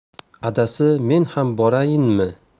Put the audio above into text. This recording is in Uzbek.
adasi men ham borayinmi